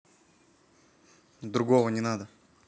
другого не надо